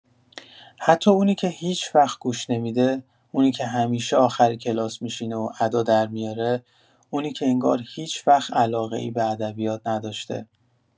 حتی اونی که هیچ‌وقت گوش نمی‌ده، اونی که همیشه آخر کلاس می‌شینه و ادا درمی‌اره، اونی که انگار هیچ‌وقت علاقه‌ای به ادبیات نداشته.